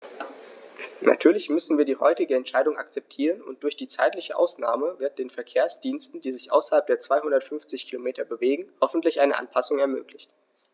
Natürlich müssen wir die heutige Entscheidung akzeptieren, und durch die zeitliche Ausnahme wird den Verkehrsdiensten, die sich außerhalb der 250 Kilometer bewegen, hoffentlich eine Anpassung ermöglicht.